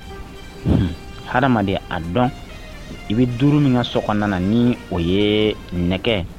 Ha adamadama a dɔn i bɛ duuru min so kɔnɔ ni o ye nɛgɛ